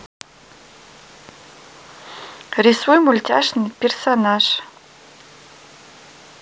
рисуй мультяшный персонаж